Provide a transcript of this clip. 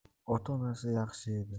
ota onasi yaxshi edi